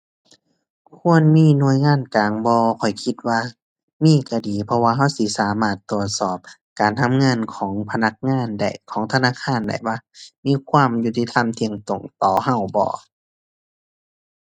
ควรมีหน่วยงานกลางบ่ ข้อยคิดว่ามีก็ดี เพราะว่าก็สิสามารถตรวจสอบการทำงานของพนักงานได้ ของธนาคารได้ว่ามีความยุติธรรม เที่ยงตรงต่อก็บ่